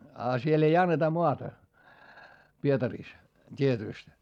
ja siellä ei anneta maata Pietarissa tietysti